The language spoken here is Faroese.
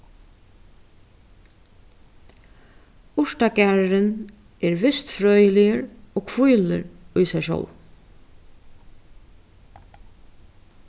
urtagarðurin er vistfrøðiligur og hvílir í sær sjálvum